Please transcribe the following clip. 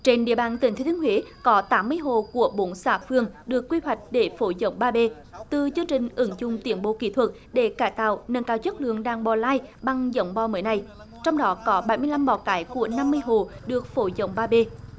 trên địa bàn tỉnh thừa thiên huế có tám mươi hộ của bốn xã phường được quy hoạch để phối giống ba bê từ chương trình ứng dụng tiến bộ kỹ thuật để cải tạo nâng cao chất lượng đàn bò lai bằng giống bò mới này trong đó có bảy mươi lăm bò cái của năm mươi hộ được phối giống ba bê